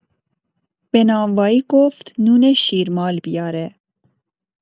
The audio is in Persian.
به نانوایی گفت نون شیرمال بیاره.